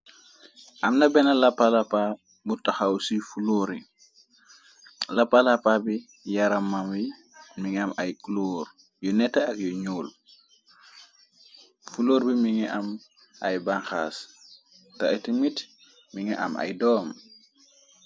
amna benn la palapa mu taxaw ci fuloor yi la palapa bi yaramam yi mi nga am ay clor yu nett ak yu ñuul fulor bi mi nga am ay banxas te iti mit mi nga am ay doom